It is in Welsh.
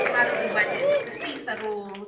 Apparently, wedyn, syth ar ôl...